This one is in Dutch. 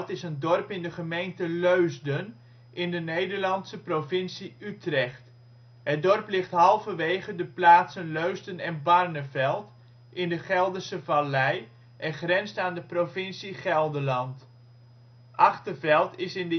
is een dorp in de gemeente Leusden in de Nederlandse provincie Utrecht. Het dorp ligt halverwege de plaatsen Leusden en Barneveld in de Gelderse Vallei en grenst aan de provincie Gelderland. Achterveld is in